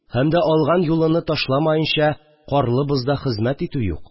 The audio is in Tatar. Һәм дә алган юлыны ташламаенча карлы бозда хезмәт итү юк